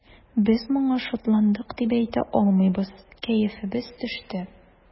Без моңа шатландык дип әйтә алмыйбыз, кәефебез төште.